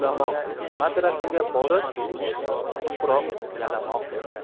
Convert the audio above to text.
ulamoq madrasaga borib tuproq yalamoq